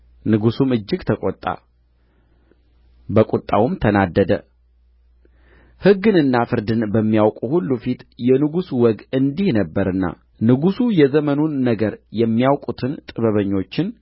ንጉሡም እጅግ ተቈጣ በቍጣውም ተናደደ ሕግንና ፍርድን በሚያውቁ ሁሉ ፊት የንጉሡ ወግ እንዲህ ነበረና ንጉሡ የዘመኑን ነገር የሚያውቁትን ጥበበኞችን